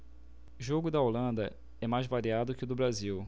jogo da holanda é mais variado que o do brasil